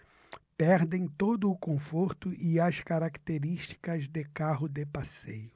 perdem todo o conforto e as características de carro de passeio